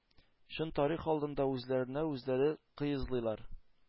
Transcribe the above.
Чын тарих алдында үзләрен үзләре каезлыйлар.